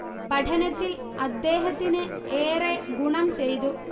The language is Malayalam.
പഠനത്തിൽ അദ്ദേഹത്തിന് ഏറെ ഗുണം ചെയ്തു